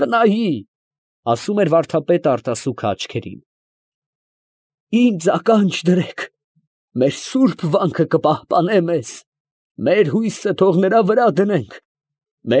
Խնայի… ֊ ասում էր վարդապետը արտասուքը աչքերում։ ֊ Ինձ ականջ դրե՛ք. մեր սուրբ վանքը կպահպանե մեզ. մեր հույսը թող նրա վրա դնենք…։